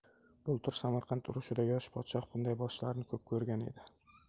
bultur samarqand urushida yosh podshoh bunday boshlarni ko'p ko'rgan edi